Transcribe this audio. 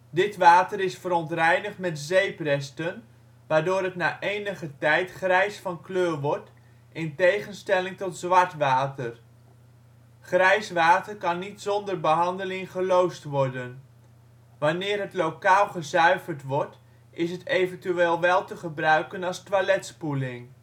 Dit water is verontreinigd met zeepresten, waardoor het na enige tijd grijs van kleur wordt, in tegenstelling tot zwart water. Grijs water kan niet zonder behandeling geloosd worden. Wanneer het lokaal gezuiverd wordt is het eventueel wel te gebruiken als toiletspoeling